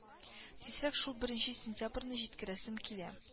Тизрәк шул беренче сентябрьне җиткерәсем килә